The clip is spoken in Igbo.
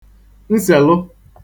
nsèlu